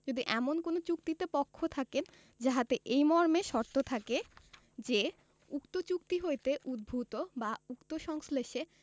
যদি এমন কোন চুক্তিতে পক্ষ থাকেন যাহাতে এই মর্মে শর্ত থাকে যে উক্ত চুক্তি হইতে উদ্ভুত বা উক্ত সংশ্লেষে